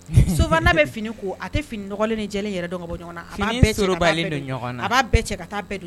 So bɛ fini ko a fini ni bɔ